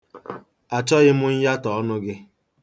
Achọghị m myatọ ọnụ gị.